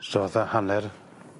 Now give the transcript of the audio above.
So 'tha hanner